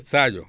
Sadio